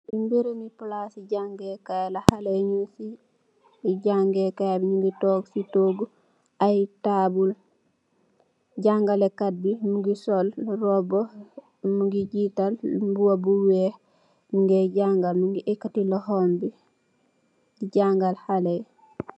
Barabi palasi jangèè kai, xalèh yi ñing fi ci jangèè kai bi ñi ngi tóóg si tohgu ay tabull. Jangalekai bi mugii sol róbba mu ngi jital mbuba bu wèèx mugeh janga, mugii yekati loho bi di jangal xalèh yi.